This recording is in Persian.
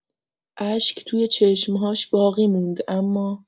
اشک توی چشم‌هاش باقی موند اما.